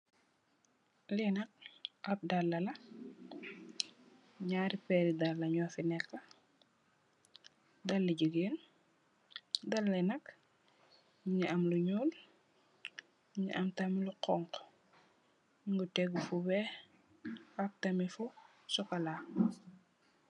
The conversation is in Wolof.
Liinak ab dalalah nyarri perri dall nyofi neka dalli gigeen dallayi nak nyingi am lu nyul mungi am tam lu xonxu mu tegu Fu wekh ak tamit fu socola.